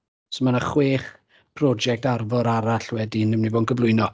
so ma' 'na chwech Prosiect Arfor arall wedyn yn mynd i fod yn cyflwyno.